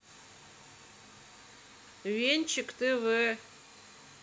венчик тв